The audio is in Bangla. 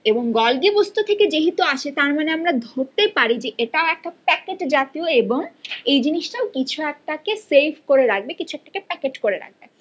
এবং গলগি বস্তু থেকে যেহেতু আসে তারমানে আমরা ধরতে পারি যে এটাও একটা প্যাকেট জাতীয় এবং এই জিনিসটাও কিছু একটাকে সেইফ করে রাখবে কিছু একটাকে প্যাকেট করে রাখবে